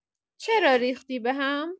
چرا ریختی بهم؟